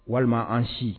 Walima an si.